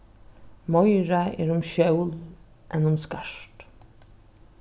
meira er um skjól enn um skart